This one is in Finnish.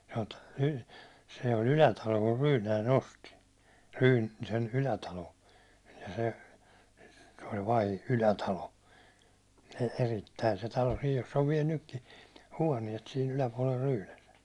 -- se oli Ylätalo kun Ryynänen osti - sen Ylätalon ja se se oli - Ylätalo - erittäin se talo sija jossa on vielä nytkin huoneet siinä yläpuolella Ryynäsen